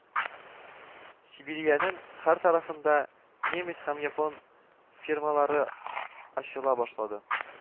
Сибириянең һәр тарафында немец һәм япон фирмалары ачыла башлады